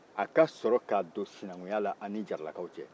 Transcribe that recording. a ka sɔrɔ k'a don sinankunya la an ni jaralakaw cɛ